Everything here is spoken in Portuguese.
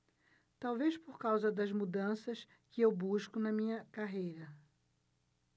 talvez por causa das mudanças que eu busco na minha carreira